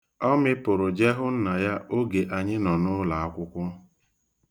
Ọ mipụrụ je hụ nna ya oge anyị nọ n'ulaakwụkwọ